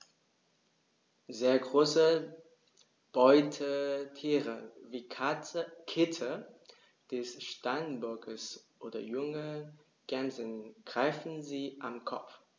Sehr große Beutetiere wie Kitze des Steinbocks oder junge Gämsen greifen sie am Kopf.